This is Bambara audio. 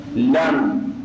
Naamu